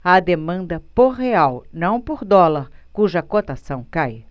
há demanda por real não por dólar cuja cotação cai